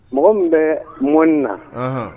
Mɔgɔ min bɛ mɔni na